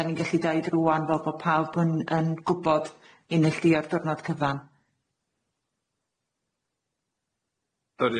'Dan ni'n gallu deud rŵan fel bo pawb yn yn gwbod i neilltuo diwrnod cyfan.